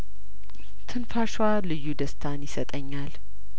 ትንፋሿ ልዩ ደስታን ይሰጠኛል